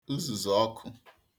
uzūzū ọkụ